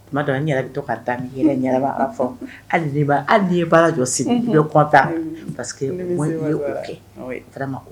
Kumadɔ la n ɲɛrɛ be to k'a ta ni yɛlɛ ye ɲanama ka fɔ ali n'i ba ali n'i ye baara jɔ sini unun i be content parce que moins b'i ye k'o kɛ oui vraiment